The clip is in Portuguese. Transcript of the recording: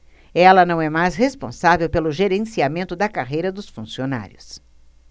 ela não é mais responsável pelo gerenciamento da carreira dos funcionários